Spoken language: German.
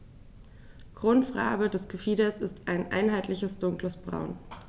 Grundfarbe des Gefieders ist ein einheitliches dunkles Braun.